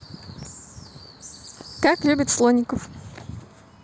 как любят слоников